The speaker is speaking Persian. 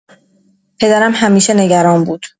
پدرم همیشه نگران بود.